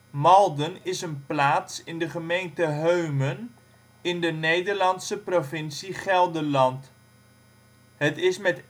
Malden is een plaats in de gemeente Heumen in de Nederlandse provincie Gelderland. Het is met 11.937